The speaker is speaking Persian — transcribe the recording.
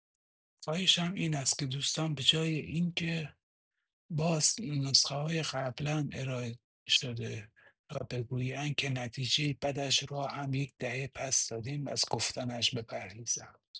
خواهشم این است که دوستان به‌جای اینکه باز نسخه‌های قبلا ارائه‌شده را بگویند که نتیجه بدش را هم یک دهه پس‌دادیم از گفتنش بپرهیزند.